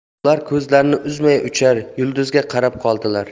ular ko'zlarini uzmay uchar yulduzga qarab qoldilar